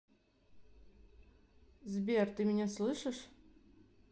сбер ты меня слышишь